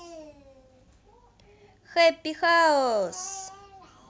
happy house